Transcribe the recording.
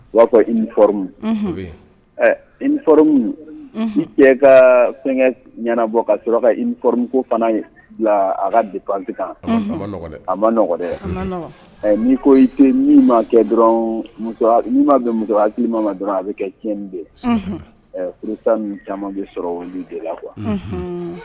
U b'a fɔ i ni fɔ i ni fɔ minnu ka fɛn ɲɛnabɔ ka sɔrɔ ka i ni fɔ ko fana ye bila a ka pan anti kan a ma nɔgɔ yan ni ko i min ma kɛ dɔrɔn min ma bɛ muso k'i ma ma dɔrɔn a bɛ kɛ cɛn min bɛ furusa ni caman bɛ sɔrɔ olu de la qu